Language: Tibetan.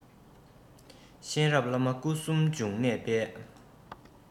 གཤེན རབ བླ མ སྐུ གསུམ འབྱུང གནས དཔལ